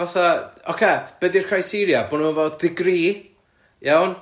Fatha oce be 'di'r criteria bo' nhw efo degree, iawn?